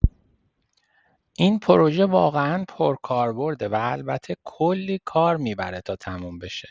این پروژه واقعا پرکاربرده و البته کلی کار می‌بره تا تموم بشه.